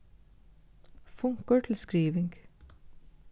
funkur til skriving